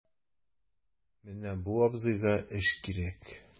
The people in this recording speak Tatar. Менә бу абзыйга эш кирәк...